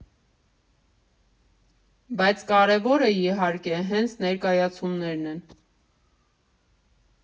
Բայց կարևորը, իհարկե, հենց ներկայացումներն են.